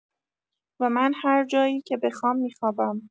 و من هرجایی که بخوام می‌خوابم.